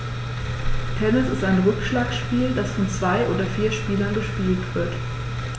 Tennis ist ein Rückschlagspiel, das von zwei oder vier Spielern gespielt wird.